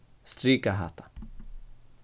strika hatta